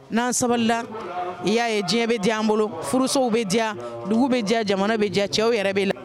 N'an sabalila i y'a ye diɲɛ bɛ di' an bolo furusow bɛ diya dugu bɛ jɛ jamana bɛ diya cɛw yɛrɛ bɛ la